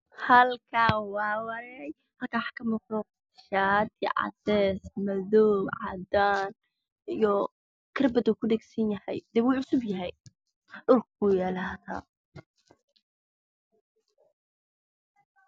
Hal kaan waxaa kamuuqda shaati dhul kuu yalaa